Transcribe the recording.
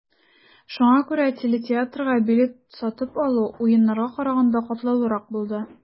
Шуңа күрә телетеатрга билет сатып алу, Уеннарга караганда да катлаулырак булды.